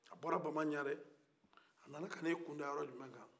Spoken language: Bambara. a bɔra bamaɲare a nana ka n'i kunda yɔrɔ jumɛn kan